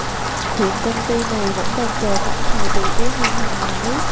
hiện công ty này vẫn đang chờ phản hồi từ phía ngân hàng nhà nước